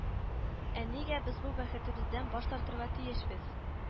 Ә нигә без бу бәхетебездән баш тартырга тиешбез